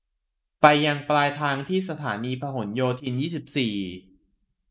ไปยังปลายทางที่สถานีพหลโยธินยี่สิบสี่